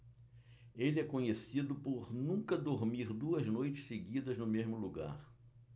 ele é conhecido por nunca dormir duas noites seguidas no mesmo lugar